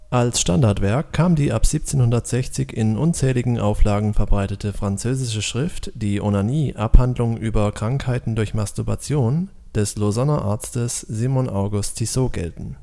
Als Standardwerk kann die ab 1760 in unzähligen Auflagen verbreitete Schrift L'Onanisme. Dissertation sur les maladies produits par la masturbattion („ Die Onanie. Abhandlung über Krankheiten durch Masturbation “) des Lausanner Arztes Simon-Auguste Tissot gelten